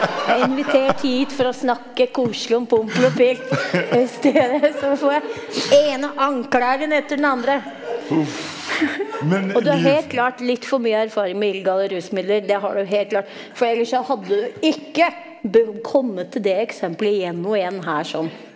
jeg er invitert hit for å snakke koselig om Pompel og Pilt, og i stedet så får jeg ene anklagen etter den andre og du har helt klart litt for mye erfaring med illegale rusmidler, det har du helt klart, for ellers hadde du ikke kommet til det eksempelet igjen og igjen her sånn.